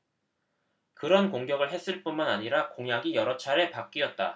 그런 공격을 했을 뿐만 아니라 공약이 여러 차례 바뀌었다